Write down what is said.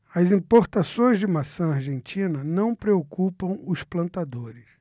as importações de maçã argentina não preocupam os plantadores